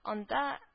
Анда